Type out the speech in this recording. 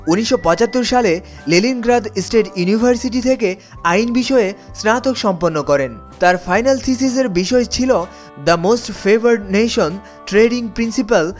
১৯৭৫ সালে Leningrad state university থেকে আইন বিষয়ে স্নাতক সম্পন্ন করেন তার ফাইনাল থিসিসের বিষয় ছিল the most favoured nation trading principal